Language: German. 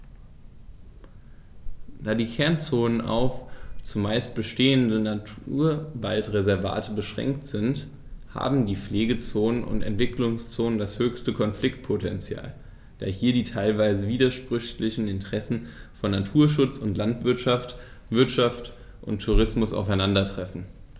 Da die Kernzonen auf – zumeist bestehende – Naturwaldreservate beschränkt sind, haben die Pflegezonen und Entwicklungszonen das höchste Konfliktpotential, da hier die teilweise widersprüchlichen Interessen von Naturschutz und Landwirtschaft, Wirtschaft und Tourismus aufeinandertreffen.